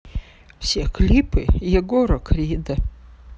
все клипы егора крида